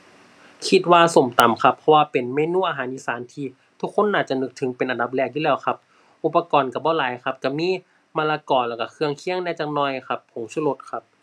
คิดว่าส้มตำครับ เพราะว่าเป็นเมนูอาหารอีสานที่ทุกคนน่าจะนึกถึงเป็นอันดับแรกอยู่แล้วครับ อุปกรณ์ก็บ่หลายครับ ก็มีมะละกอ แล้วก็เครื่องเคียงแหน่จักหน่อยครับ ผงชูรสครับ